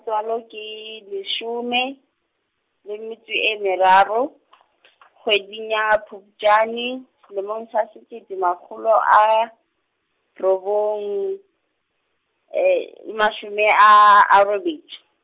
ke leshome, le metso e meraro, kgweding ya Phupjane, selemong sa sekete mangolo a, robong, mashome aa a robedi.